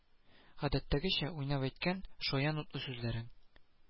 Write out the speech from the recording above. Гадәттәгечә уйнап әйткән, шаян утлы сүзләрең